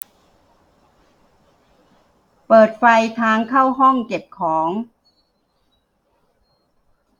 เปิดไฟทางเข้าห้องเก็บของ